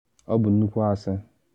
‘Ọ bụ nnukwu asị.